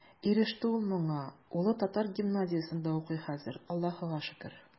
Иреште ул моңа, улы татар гимназиясендә укый хәзер, Аллаһыга шөкер.